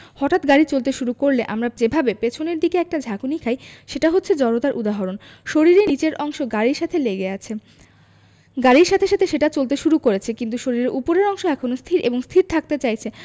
হঠাৎ গাড়ি চলতে শুরু করলে আমরা যেভাবে পেছনের দিকে একটা ঝাঁকুনি খাই সেটা হচ্ছে জড়তার উদাহরণ শরীরের নিচের অংশ গাড়ির সাথে লেগে আছে গাড়ির সাথে সাথে সেটা চলতে শুরু করেছে কিন্তু শরীরের ওপরের অংশ এখনো স্থির এবং স্থির থাকতে চাইছে